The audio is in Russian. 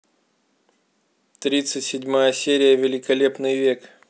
тридцать седьмая серия великолепный век